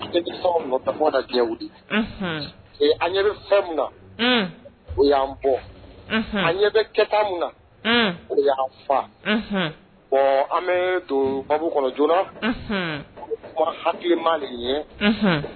Den tamada diyawu ee an ɲɛ bɛ fɛn munna o y'an bɔ an ɲɛ bɛ kɛta mun na o y'a fa an bɛ don kab kɔnɔ joonana ka hakili maa de ɲɛ